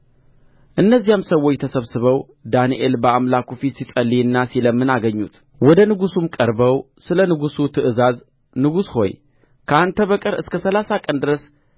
እነዚያም ሰዎች ተሰብስበው ዳንኤል በአምላኩ ፊት ሲጸልይና ሲለምን አገኙት ወደ ንጉሡም ቀርበው ስለ ንጉሡ ትእዛዝ ንጉሥ ሆይ ከአንተ በቀር እስከ ሠላሳ ቀን ድረስ